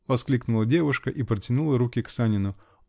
-- воскликнула девушка и протянула руки к Санину.